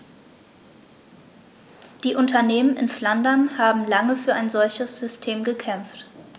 Die Unternehmen in Flandern haben lange für ein solches System gekämpft.